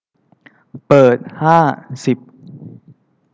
เปิดห้าสิบ